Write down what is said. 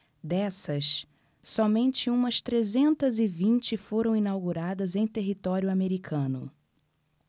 dessas somente umas trezentas e vinte foram inauguradas em território americano